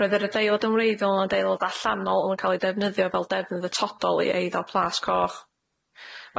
Roedd yr adeilad yn wreiddiol yn adeilod allanol o'n ca'l ei defnyddio fel defnydd atodol i eiddo Plas Coch.